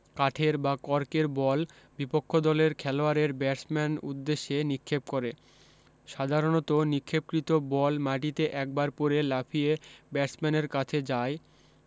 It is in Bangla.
কাঠের বা কর্কের বল বিপক্ষ দলের খেলোয়াড়ের ব্যাটসম্যান উদ্দেশ্যে নিক্ষেপ করে সাধারণত নিক্ষেপকৃত বল মাটিতে একবার পড়ে লাফিয়ে ব্যাটসম্যানের কাছে যায়